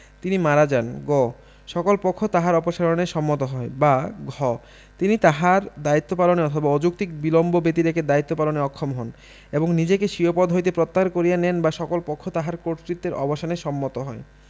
তিনি মারা যান গ সকল পক্ষ তাহার অপসারণে সম্মত হয় বা ঘ তিনি তাহার দায়িত্ব পালনে অথবা অযৌক্তিক বিলম্ব ব্যতিরেকে দায়িত্ব পালনে অক্ষম হন এবং নিজেকে স্বীয় পদ হইতে প্রত্যাহার করিয়া নেন বা সকল পক্ষ তাহার কর্তৃত্বের অবসানে সম্মত হয়